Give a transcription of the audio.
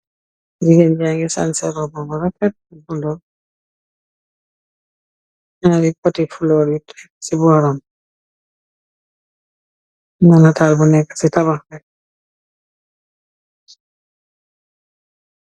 Jigén jaangi sanse roba bu refet bu bule, ñari poti floor yu ci boram, amna natal bu nekk ci tabax bi